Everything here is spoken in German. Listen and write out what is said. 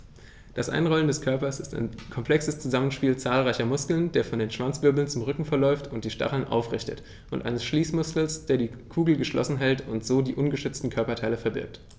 Das Einrollen des Körpers ist ein komplexes Zusammenspiel zahlreicher Muskeln, der von den Schwanzwirbeln zum Rücken verläuft und die Stacheln aufrichtet, und eines Schließmuskels, der die Kugel geschlossen hält und so die ungeschützten Körperteile verbirgt.